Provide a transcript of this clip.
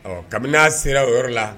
Ɔ kabini n'a sera o yɔrɔ la.